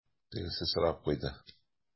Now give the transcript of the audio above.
Тегесе сорап куйды: